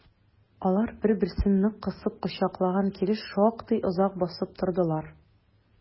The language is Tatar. Алар бер-берсен нык кысып кочаклаган килеш шактый озак басып тордылар.